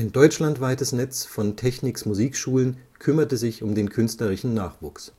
deutschlandweites Netz von Technics-Musikschulen kümmerte sich um den künstlerischen Nachwuchs